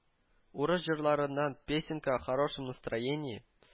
Урыс җырларыннан “песенка о хорошем настроении”